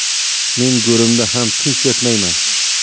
men go'rimda ham tinch yotmayman